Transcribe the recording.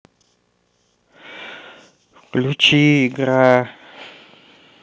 включи игра